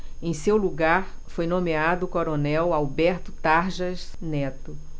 em seu lugar foi nomeado o coronel alberto tarjas neto